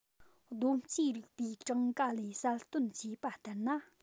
སྡོམ རྩིས རིག པའི གྲངས ཀ ལས གསལ སྟོན བྱས པ ལྟར ན